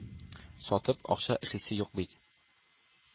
Сатып акча эшлисе юк бит.